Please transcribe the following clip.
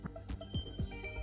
chỉ